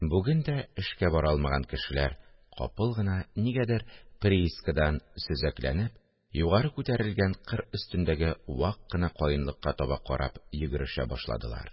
Бүген дә эшкә бара алмаган кешеләр капыл гына нигәдер приискадан сөзәкләнеп, югары күтәрелгән кыр өстендәге вак кына каенлыкка таба карап йөгерешә башладылар